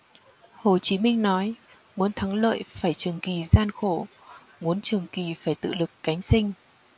hồ chí minh nói muốn thắng lợi phải trường kỳ gian khổ muốn trường kỳ phải tự lực cánh sinh